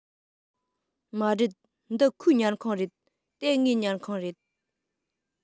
མ རེད འདི ཁོའི ཉལ ཁང རེད དེ ངའི ཉལ ཁང རེད